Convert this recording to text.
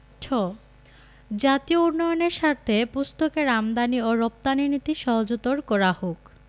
ঠ জাতীয় উন্নয়নের স্বার্থে পুস্তকের আমদানী ও রপ্তানী নীতি সহজতর করা হোক